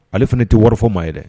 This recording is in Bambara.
Ale fana tɛ wari fɔ ma ye dɛ